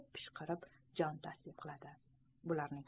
pishqirib jon taslim qiladi